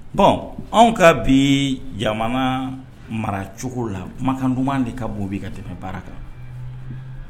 Bon anw ka bi jamana maracogo la, kumakan duman de ka bon ka tɛmɛ baara kan.